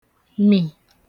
-mì